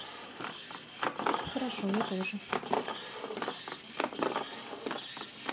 хорошо я тоже